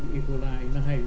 thể